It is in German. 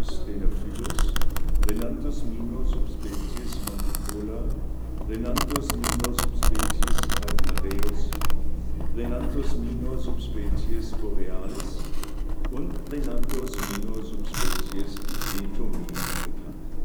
stenophyllus, Rhinanthus minor subsp. monticola, Rhinanthus minor subsp. calcareus, Rhinanthus minor subsp. borealis und Rhinanthus minor subsp. lintonii bekannt